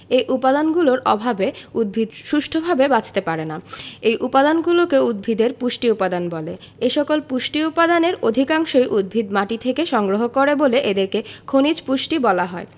এ উপাদানগুলোর অভাবে উদ্ভিদ সুষ্ঠুভাবে বাঁচতে পারে না এ উপাদানগুলোকে উদ্ভিদের পুষ্টি উপাদান বলে এসকল পুষ্টি উপাদানের অধিকাংশই উদ্ভিদ মাটি থেকে সংগ্রহ করে বলে এদেরকে খনিজ পুষ্টি বলা হয়